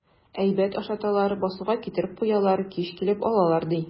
Әйбәт ашаталар, басуга китереп куялар, кич килеп алалар, ди.